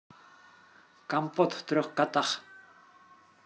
компот в трех котах